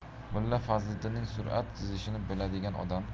mulla fazliddinning surat chizishini biladigan odam